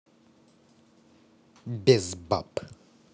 без баб